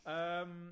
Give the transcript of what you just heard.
Yym.